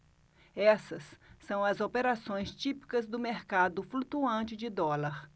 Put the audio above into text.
essas são as operações típicas do mercado flutuante de dólar